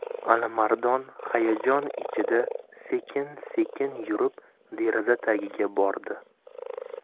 alimardon hayajon ichida sekin sekin yurib deraza tagiga bordi